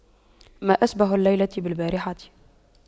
ما أشبه الليلة بالبارحة